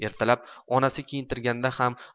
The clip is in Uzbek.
ertalab onasi kiyintirayotganda ham